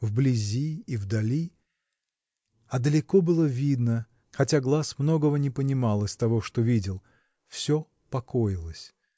вблизи и вдали, -- а далеко было видно, хотя глаз многого не понимал из того, что видел, -- все покоилось